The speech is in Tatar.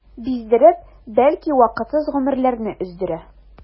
Биздереп, бәлки вакытсыз гомерләрне өздерә.